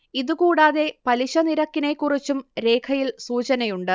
ഇതുകൂടാതെ പലിശ നിരക്കിനെക്കുറിച്ചും രേഖയിൽ സൂചനയുണ്ട്